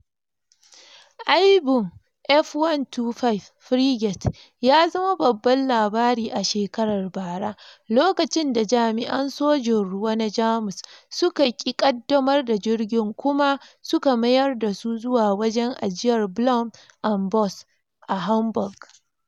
Aibun F125 Frigate ya zama babban labari a shekarar bara, lokacin da jami’an sojin ruwa na Jamus suka ki kaddamar da jirgin kuma suka mayar da su zuwa wajen ajiyar Blohm & Voss a Hamburg.